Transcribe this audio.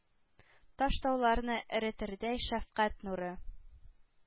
Таш-тауларны эретердәй шәфкать нуры